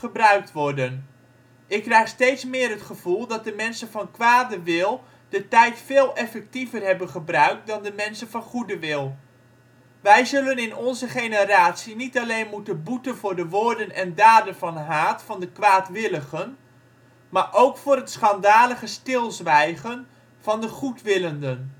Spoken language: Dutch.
worden. Ik krijg steeds meer het gevoel dat de mensen van kwade wil de tijd veel effectiever hebben gebruikt dan de mensen van goede wil. Wij zullen in onze generatie niet alleen moeten boeten voor de woorden en daden van haat van de kwaadwilligen, maar ook voor het schandalige stilzwijgen van de goedwillenden